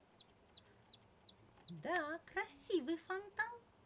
да красивый фонтан